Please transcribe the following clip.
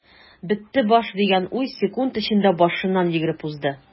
"бетте баш” дигән уй секунд эчендә башыннан йөгереп узды.